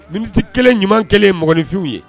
Minute 1 ɲuman kɛli ye mɔgɔnifinw ye.